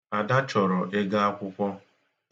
Ada chọrọ ego akwụkwọ.